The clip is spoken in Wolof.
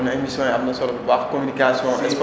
kon émission yi am na solo bu baax communication